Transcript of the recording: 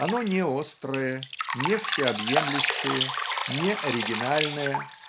Оно не острое, не всеобъемлющее, не оригинальное